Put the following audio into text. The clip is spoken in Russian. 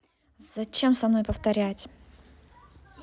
зачем со мной повторять